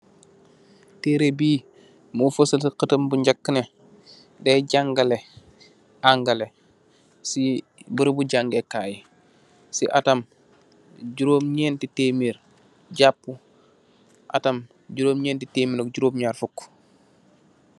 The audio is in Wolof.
Terreh bi mó fasal ci xatam bu njak neh , dai jangaleh Angaleh si barabu jangèè kai ci atam juromnenti témér japu atam juromnenti témér ak jurom ñaar fuk.